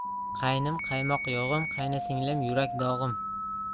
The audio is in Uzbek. qaynim qaymoq yog'im qaynsinglim yurak dog'im